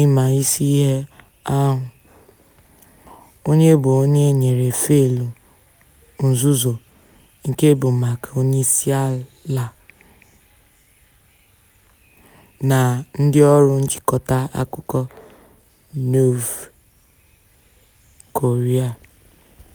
ịma isi ihe ahụ, onye bụ onye nyere faịlụ nzuzo nke bụ maka onyeisiala, na ndịọrụ nchịkọta akụkọ Nouveau Courrier.